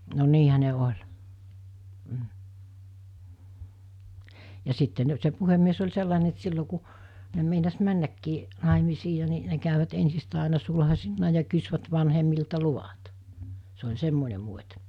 no niinhän ne oli mm ja sitten - se puhemies oli sellainen että se silloin kun ne meinasi mennäkin naimisiin ja niin ne kävivät ensistään aina sulhasina ja kysyvät vanhemmilta luvat se oli semmoinen muoti